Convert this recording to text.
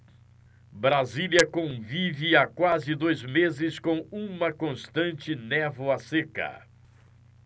brasília convive há quase dois meses com uma constante névoa seca